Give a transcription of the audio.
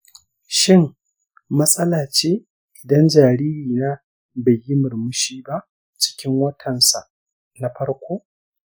shin matsala ce idan jaririna bai yi murmushi ba cikin watansa na farko?